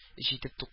Җитеп туктатты